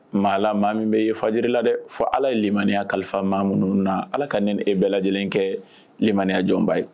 Maa maa min bɛ ye faji la dɛ fɔ ala ye limainiya kalifa maa minnu na ala ka ne e bɛɛ lajɛlen kɛ lilimaya jɔnba ye